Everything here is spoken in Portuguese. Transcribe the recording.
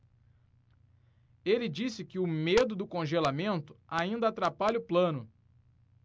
ele disse que o medo do congelamento ainda atrapalha o plano